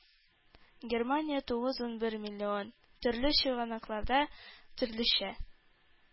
Германия тугыз-унбер миллион төрле чыганакларда төрлечә